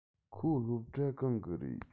ཁོ སློབ གྲྭ གང གི རེད